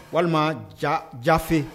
Walima jafe